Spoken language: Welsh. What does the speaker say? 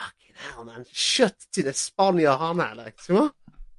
ffycin hell man! Shwt ti'n esbonio honnalike t'mo'?